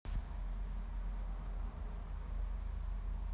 пошел в пизду